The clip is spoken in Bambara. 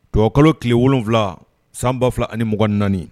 Tuwawu kalo tile 7 2024